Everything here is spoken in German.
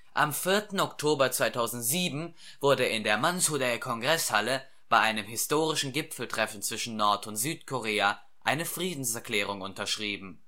Am 4. Oktober 2007 wurde in der Mansudae-Kongreshalle bei einem historischen Gipfeltreffen zwischen Nord - und Südkorea eine Friedenserklärung unterschrieben